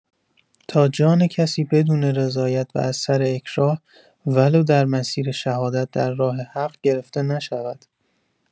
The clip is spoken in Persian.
تا جان کسی بدون رضایت و از سر اکراه ولو در مسیر شهادت در راه حق گرفته نشود.